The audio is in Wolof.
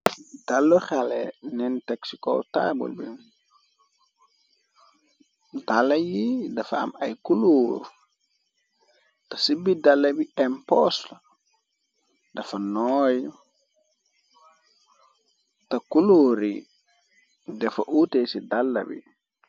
Daala xale neen tex si taabul bi dala yi dafa am ay kuloor te si birr dala bi im poss dafa nooy te kuluur yi defa oute ci daala bi.